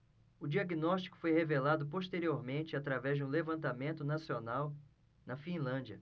o diagnóstico foi revelado posteriormente através de um levantamento nacional na finlândia